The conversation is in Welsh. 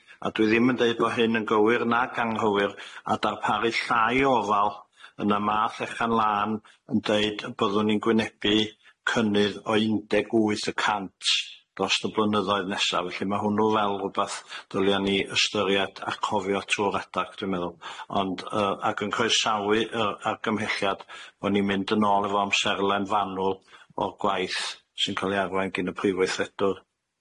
a dwi ddim yn deud bo' hyn yn gywir nag anghywir a darparu llai o ofal yn y ma Llechan Lân yn deud y byddwn ni'n gwynebu cynnydd o un deg wyth y cant drost y blynyddoedd nesa felly ma' hwnnw fel rwbath dylia ni ystyried a cofio trw'r adag dwi'n meddwl ond yy ac yn croesawu yy agymhelliad bo' ni'n mynd yn ôl efo amserlen fanwl o'r gwaith sy'n ca'l ei arwain gin y prif weithredwr.